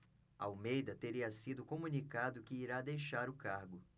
almeida teria sido comunicado que irá deixar o cargo